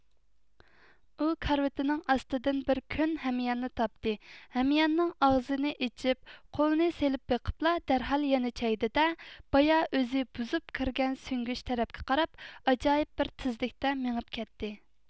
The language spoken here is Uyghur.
ئۇ كارىۋاتنىڭ ئاستىدىن بىر كۆن ھەمياننى تاپتى ھەمياننىڭ ئاغزىنى ئېچىپ قولىنى سېلىپ بېقىپلا دەرھال يەنە چەگدى دە بايا ئۆزى بۇزۇپ كىرگەن سۈڭگۈچ تەرەپكە قاراپ ئاجايىپ بىر تېزلىكتە مېڭىپ كەتتى